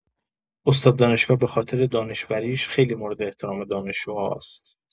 استاد دانشگاه به‌خاطر دانشوریش خیلی مورد احترام دانشجوهاست.